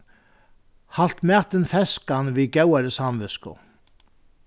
halt matin feskan við góðari samvitsku